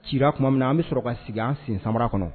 Ci tuma min an bɛ sɔrɔ ka sigi an sen samara kɔnɔ